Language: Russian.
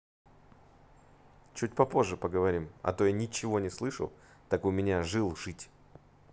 чуть попозже поговорим а то я ничего не слышу так у меня жил жить